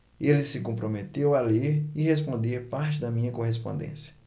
ele se comprometeu a ler e responder parte da minha correspondência